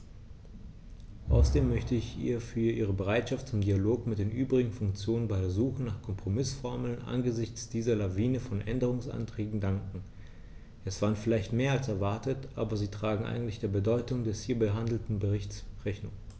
Außerdem möchte ich ihr für ihre Bereitschaft zum Dialog mit den übrigen Fraktionen bei der Suche nach Kompromißformeln angesichts dieser Lawine von Änderungsanträgen danken; es waren vielleicht mehr als erwartet, aber sie tragen eigentlich der Bedeutung des hier behandelten Berichts Rechnung.